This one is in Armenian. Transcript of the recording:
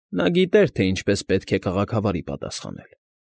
Նա գիտեր, թե ինչպես պետք է քաղաքավարի պատասխանել։